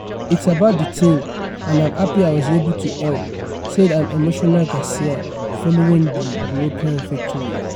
It's about the team., and I'm happy I was able to help," said an emotional Garcia following the European victory.